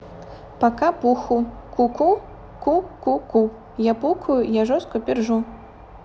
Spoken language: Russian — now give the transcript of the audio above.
пока пуху куку ку ку ку я пукаю я жестко пержу